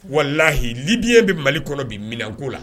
Wala lahi libiyɛn bɛ mali kɔnɔ bi minɛnko la